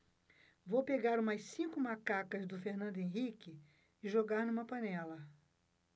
vou pegar umas cinco macacas do fernando henrique e jogar numa panela